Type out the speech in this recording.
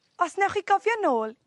Os newch chi gofio nôl